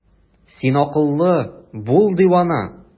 Син акыллы, бул дивана!